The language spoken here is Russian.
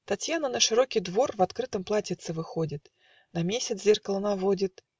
Татьяна на широкой двор В открытом платьице выходит, На месяц зеркало наводит